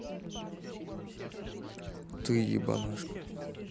ты ебанашка